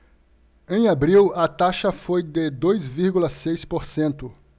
em abril a taxa foi de dois vírgula seis por cento